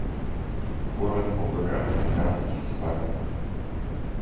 город волгоград цыганские свадьбы